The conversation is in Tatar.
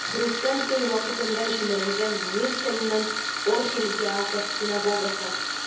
"хрусталь төн" вакытында җимерелгән мюнхенның "охель яаков" синагогасы.